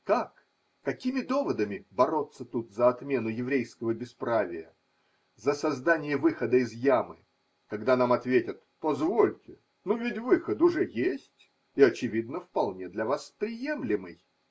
Как, какими доводами, бороться тут за отмену еврейского бесправия, за создание выхода из ямы, когда нам ответят: позвольте, но ведь выход уже есть, и очевидно вполне для вас приемлемый!